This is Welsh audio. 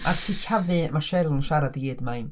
Mae'r sillafu ma' Cheryl yn siarad i gyd, mae'n...